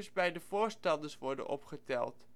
bij de voorstanders worden opgeteld